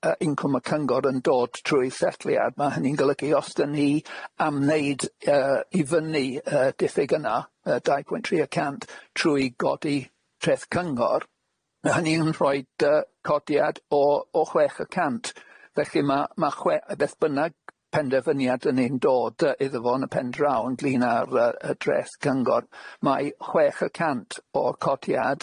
y- incwm y cyngor yn dod trwy setliad ma' hynny'n golygu os dyn ni am wneud y- i fyny y- diffyg yna y dau pwynt tri y cant trwy godi treth cyngor ma' hynny yn rhoid y- codiad o- o chwech y cant felly ma'- ma' chwe- beth bynnag penderfyniad yni'n dod y- iddo fo yn y pen draw ynglyn a'r y- y dreth cyngor mae chwech y cant o codiad